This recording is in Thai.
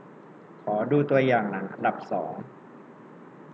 ขอดูตัวอย่างหนังอันดับสอง